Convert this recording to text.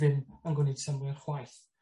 Ddim yn gwneud synnwyr chwaith.